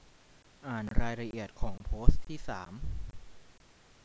อ่านรายละเอียดของโพสต์ที่สาม